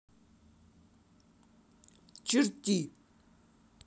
черти